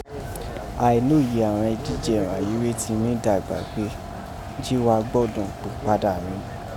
Àìnóye àghan ejíjẹ ghànyí rèé ti mí dà ìgbàgbé, ji wá gbọdọ̀n pè padà rin.